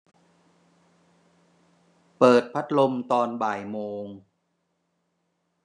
เปิดพัดลมตอนบ่ายโมง